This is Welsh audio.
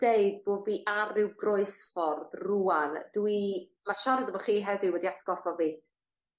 deud bo' fi a ryw groesffordd rŵan. Dwi... Ma' siarad efo chi heddiw wedi atgoffa fi